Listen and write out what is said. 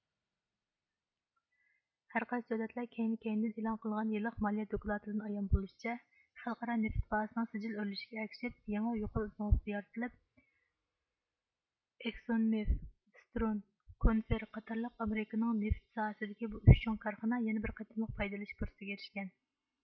ھەر قايسى دۆلەتلەر كەينى كەينىدىن ئېلان قىلغان يىللىق مالىيە دوكلاتىدىن ئايان بولىشىچە خەلقئارا نېفىت باھاسىنىڭ سىجىل ئۆرلىشىگە ئەگىشىپ يېڭى يۇقىرى نوقتا يارىتىلىپ ئېكسونمېف سىترون كونفېر قاتارلىق ئامېرىكىنىڭ نېفىت ساھەسىدىكى بۇ ئۈچ چوڭ كارخانا يەنە بىر قېتىم پايدا ئېلىش پۇرسىتىگە ئېرىشكەن